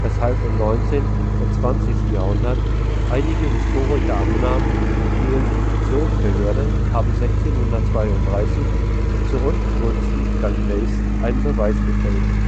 weshalb im 19. und 20. Jahrhundert einige Historiker annahmen, die Inquisitionsbehörde habe 1632 zu Ungunsten Galileis einen Beweis gefälscht